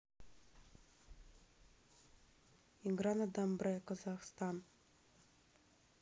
игра на домбре казахстан